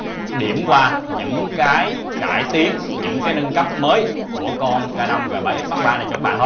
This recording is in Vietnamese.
điểm qua những cải tiến những nâng cấp mới của con canon g x mark iii này cho các bạn thôi